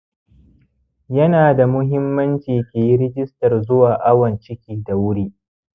yanada muhimmanci kiyi rijistar zuwa awon ciki da wuri